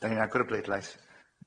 Dan ni'n agor y bleidlais.